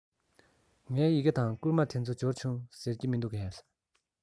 ངའི ཡི གེ དང བསྐུར མ དེ ཚོ འབྱོར བྱུང ཟེར གྱི མི འདུག གས